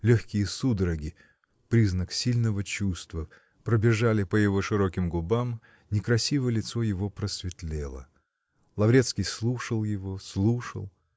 легкие судороги -- признак сильного чувства -- пробежали по его широким губам, некрасивое лицо его просветлело. Лаврецкий слушал его, слушал.